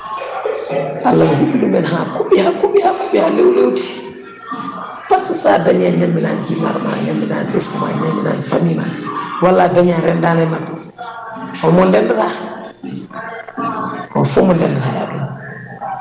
Allah huɓɓi ɗumen ha kuɓɓi ha kuɓɓi ha kuɓɓi ha lewlewti par ce que sa dañi a ñamminani jinnaɗo ma a ñamminani ɓesguma a ñamminani famille ma walla a dañi a rendani e mabɓe holmo ndendata holfo mo ndendata e aduna